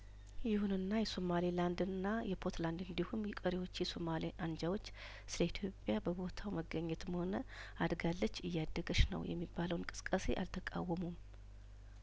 ይሁንና የሶማሌ ላንድና የፑትላንድ እንዲሁም የቀሪዎች የሶማሊያ አንጃዎች ስለኢትዮጵያ በቦታው መገኘትም ሆነ አድ ጋለች እያደገች ነው የሚባለውን እንቅስቃሴ አልተቃወሙም